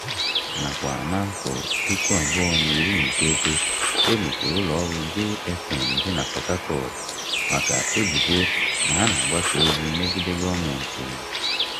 Nakwa n'afọ 2019, e mechiri ụlọ ọrụ Jay FM dị na Port Harcourt maka ebubo na ha na-agbasa ozi megide gọọmentị.